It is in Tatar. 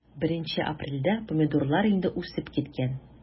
1 апрельдә помидорлар инде үсеп киткән.